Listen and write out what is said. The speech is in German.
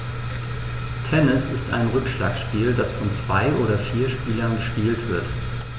Tennis ist ein Rückschlagspiel, das von zwei oder vier Spielern gespielt wird.